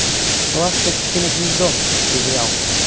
ласточкино гнездо сериал